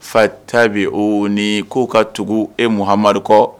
Fa tabi o ni k ko ka tugu e muhamakɔ